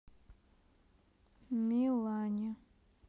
милане